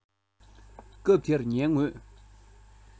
སྐབས དེར ངའི ངོས